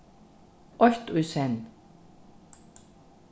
eitt í senn